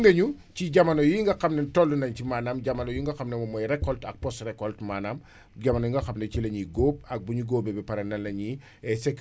maanaam jamono yi nga xam ne mooy récolte ak post récolte maanaam jamono yi nga xam ne ci lañuy góob ak bu ñu góobee ba pare nan la ñuy sécuriser lépp loo xam ne maanaam béy nañ ko